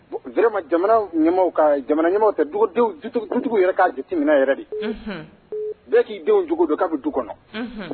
Ma jamanatigiw yɛrɛ ka jitimina yɛrɛ bɛɛ k'i denw cogo don k'a bɛ du kɔnɔ